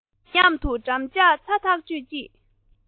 མཉམ དུ འགྲམ ལྕག ཚ ཐག ཆོད གཅིག